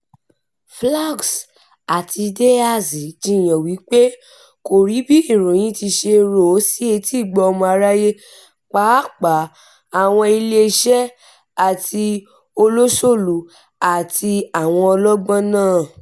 Flahaux àti De Haas jiyàn wípé kò rí bí ìròyín ti ṣe rò ó sí etígbọ̀ọ́ ọmọ aráyé pàápàá "àwọn ilé iṣẹ́ àti olóṣòlú" àti àwọn ọlọ́gbọ́n náà.